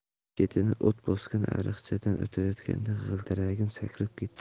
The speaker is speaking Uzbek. chetini o't bosgan ariqchadan o'tayotganda g'ildiragim sakrab ketdi